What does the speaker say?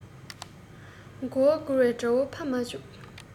མགོ བོ བསྒུར བའི དགྲ བོ ཕམ མ བཅུག